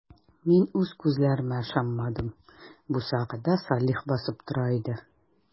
Мин үз күзләремә ышанмадым - бусагада Салих басып тора иде.